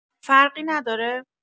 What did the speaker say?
فرقی نداره؟